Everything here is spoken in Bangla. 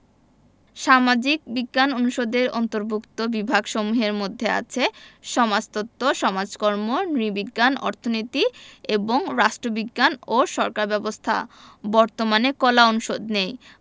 সামাজিক বিজ্ঞান অনুষদের অন্তর্ভুক্ত বিভাগসমূহের মধ্যে আছে সমাজতত্ত্ব সমাজকর্ম নৃবিজ্ঞান অর্থনীতি এবং রাষ্ট্রবিজ্ঞান ও সরকার ব্যবস্থা বর্তমানে কলা অনুষদ নেই